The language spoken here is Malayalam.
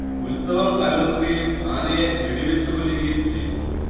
ഉത്സവം കലങ്ങുകയും ആനയെ വെടിവച്ചുകൊല്ലുകയും ചെയ്തു